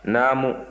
naamu